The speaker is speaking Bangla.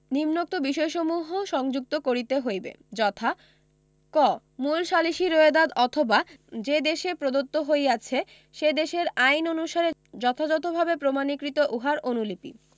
নিম্নোক্ত বিষয়সমূহ সংযুক্ত করিতে হইবে যথা ক মূল সালিসী রোয়েদাদ অথবা যে দেশে প্রদত্ত হইয়াছে সে দেশের আইন অনুসারে যথাযথভাবে প্রমাণীকৃত উহার অনুলিপি